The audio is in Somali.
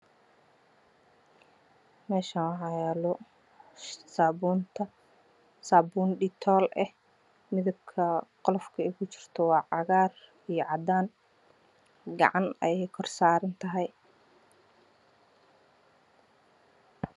Meeshaan waxaa yaallo saabuun detol ah midabka qolofka ay ku jirto waa cagaar iyo caddaan gacan ayay kor saaran tahay